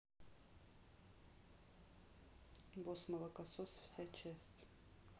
босс молокосос вся часть